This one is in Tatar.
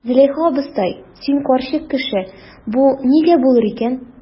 Зөләйха абыстай, син карчык кеше, бу нигә булыр икән?